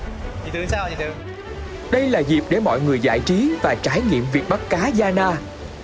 đây đây là dịp để mọi người giải trí và trải nghiệm bắt cá da đa